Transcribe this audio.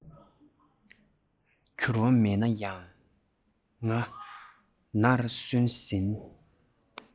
འགྱུར བ མེད ན ཡང ང ནར སོན ཟིན